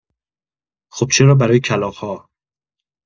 خب چرا برای کلاغ‌ها؟!